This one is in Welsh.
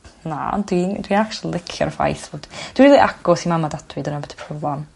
Na ond dwi'n dwi actually licio'r ffaith fod... Dwi rili agos i mam a dat fi dyna be' 'di problam.